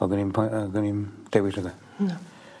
odden i'n poe- yy 'dden 'i 'im dewis o'dd e? Na.